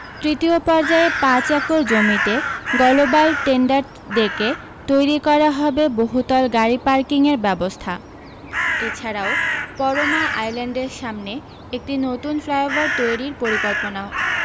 তৃতীয় পর্যায়ে পাঁচ একর জমিতে গলোবাল টেন্ডার ডেকে তৈরী করা হবে বহুতল গাড়ী পার্কিংয়ের ব্যবস্থা এছাড়াও পরমা আইল্যান্ডের সামনে একটি নতুন ফ্লাইওভার তৈরীর পরিকল্পনা